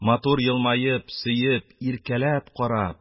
Матур елмаеп, сөеп, иркәләп карап,